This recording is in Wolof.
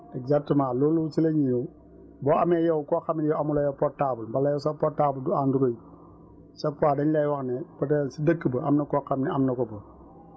exactement loolu si lañuy ñëw boo amee yow koo xam ne yow amuloo yow portable wala sa portable du Android chaque fois dañ lay wax ne peut être si dëkk ba am na koo xam ne am na ko fa